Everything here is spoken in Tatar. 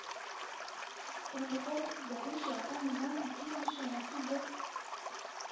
Брундукова сүзләренчә, ул моннан ике ел чамасы ел